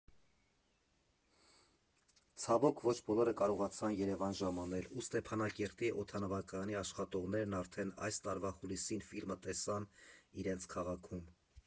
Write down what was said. Ցավոք, ոչ բոլորը կարողացան Երևան ժամանել, ու Ստեփանակերտի օդանավակայանի աշխատողներն արդեն այս տարվա հուլիսին ֆիլմը տեսան՝ իրենց քաղաքում։